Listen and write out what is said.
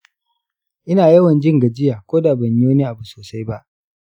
ina yawan jin gajiya ko da ban yi wani abu sosai ba.